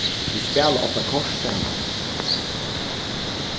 vit spæla ofta kort saman